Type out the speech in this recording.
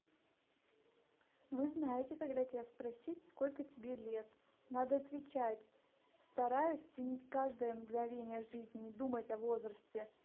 вы знаете когда тебя спросить сколько тебе лет надо отвечать стараюсь ценить каждое мгновение жизни не думать о возрасте